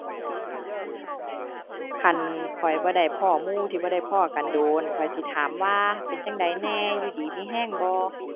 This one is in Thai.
คันข้อยบ่ได้พ้อหมู่ที่บ่ได้พ้อกันโดน ข้อยสิถามว่าเป็นจั่งใดแหน่ อยู่ดีมีแรงบ่